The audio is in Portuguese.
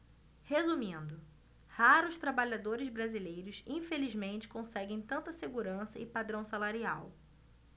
resumindo raros trabalhadores brasileiros infelizmente conseguem tanta segurança e padrão salarial